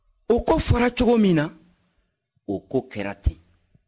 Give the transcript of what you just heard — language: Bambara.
o ko fɔra cogo min na o ko kɛra ten